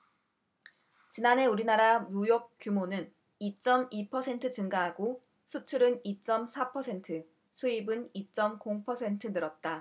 지난해 우리나라 무역 규모는 이 쩜 이 퍼센트 증가하고 수출은 이 쩜 사 퍼센트 수입은 이 쩜 공 퍼센트 늘었다